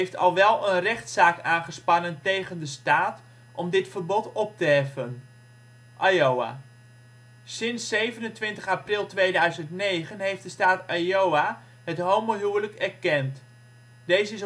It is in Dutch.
al wel een rechtszaak aangespannen tegen de staat om dit verbod op te heffen. Sinds 27 april 2009 heeft de staat Iowa het homohuwelijk erkend. Deze